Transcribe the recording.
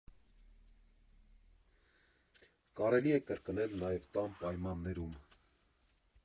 Կարելի է կրկնել նաև տան պայմաններում։